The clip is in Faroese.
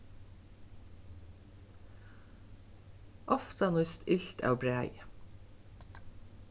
ofta nýtst ilt av bræði